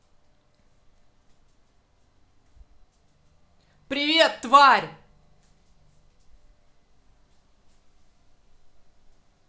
привет тварь